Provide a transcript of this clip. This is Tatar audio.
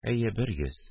Әйе, бер йөз